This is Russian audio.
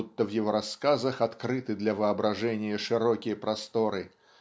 будто в его рассказах открыты для воображения широкие просторы